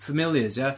Familiars ie.